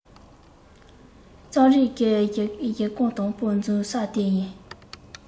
རྩོམ རིག གི གཞི རྐང དང པོ འཛུགས ས དེ ཡིན